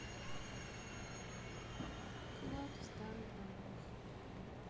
клад в старых домах